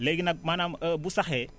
léegi nag maanaam bu saxee